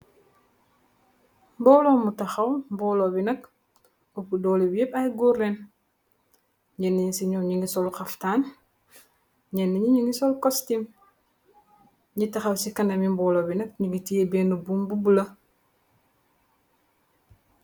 Booloo mu tahaw booloo bi nak uppu doolè bi yépp ay góor leen. Ñenn ñi ci ñoow ñi ngi sol ay haftaan, ñenn ñi ngi sol kostim. Ñi tahaw ci kanami mboolo bi nak nungi té bénn bum bu bula.